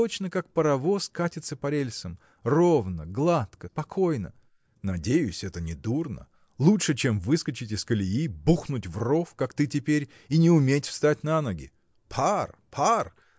точно как паровоз катится по рельсам ровно, гладко, покойно. – Надеюсь, это не дурно лучше чем выскочить из колеи бухнуть в ров как ты теперь и не уметь встать на ноги. Пар! пар!